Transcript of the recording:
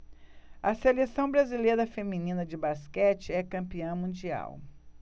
a seleção brasileira feminina de basquete é campeã mundial